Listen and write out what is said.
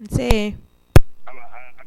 Ee